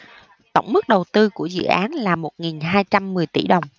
tổng mức đầu tư của dự án là một nghìn hai trăm mười tỷ đồng